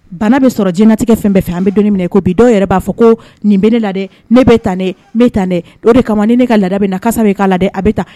Bana bɛ sɔrɔ diɲɛnatigɛkɛ fɛn bɛɛ fɛ an bi don min na i ko bi. Dɔw yɛrɛ ba fɔ ko nin bɛ ne la dɛ ne bɛ tan ni tan dɛ. O de kama ni ne ka lada bɛn na kasa bi ka la dɛ